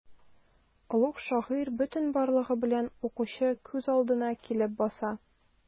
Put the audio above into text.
Олуг шагыйрь бөтен барлыгы белән укучы күз алдына килеп баса.